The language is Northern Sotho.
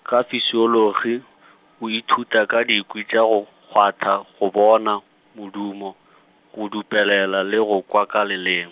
ka fisiologi, o ithuta ka dikwi tša go kgwatha, go bona, modumo, go dupelela le go kwa ka lelem-.